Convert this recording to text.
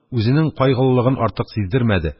Үзенең кайгылыгыны артык сиздермәде